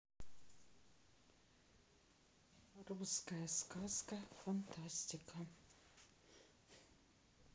русская сказка фантастика